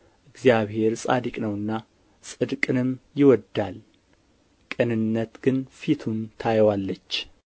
እግዚአብሔር ጻድቅ ነውና ጽድቅንም ይወድዳል ቅንነት ግን ፊቱን ታየዋለች